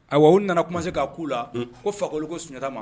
Ayiwa olu nana kuma se k'a'u la ko fakoli ko sunjatata ma